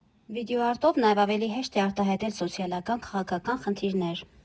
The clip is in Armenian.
Վիդեոարտով նաև ավելի հեշտ է արտահայտել սոցիալական, քաղաքական խնդիրներ։